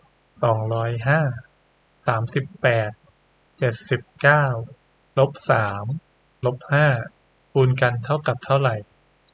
สองร้อยห้าสามสิบแปดเจ็ดสิบเก้าลบสามลบห้าคูณกันเท่ากับเท่าไหร่